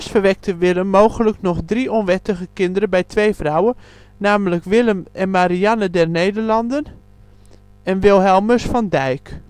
verwekte Willem mogelijk nog drie onwettige kinderen bij twee vrouwen, namelijk Willem en Marianne der Nederlanden en Wilhelmus van Dijck